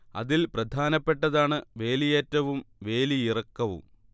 അതിൽ പ്രധാനപ്പെട്ടതാണ് വേലിയേറ്റവും വേലിയിറക്കവും